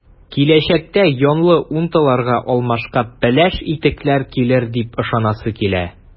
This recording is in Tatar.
Киләчәктә “йонлы” унтыларга алмашка “пеләш” итекләр килер дип ышанасы килә.